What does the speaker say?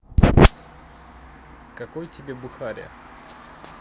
какой тебе бухаре